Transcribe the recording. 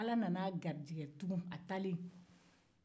a taalen ala nana a gaijɛgɛ tugun